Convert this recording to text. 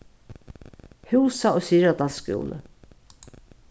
húsa og syðradals skúli